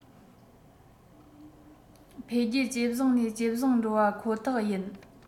འཕེལ རྒྱས ཇེ བཟང ནས ཇེ བཟང འགྲོ བ ཁོ ཐག ཡིན